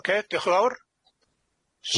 Oce dioch yn fawr.